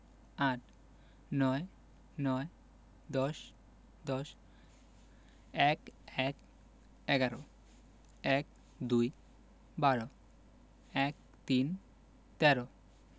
আট ৯ - নয় ১০ – দশ ১১ - এগারো ১২ - বারো ১৩ - তেরো